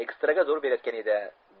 ekstraga zo'r berayotgan edi